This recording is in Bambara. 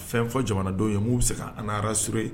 Fɛn fɔ jamana dɔw ye mun'u bɛ se ka anra sur ye